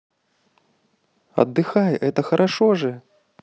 отдыхай это хорошо жду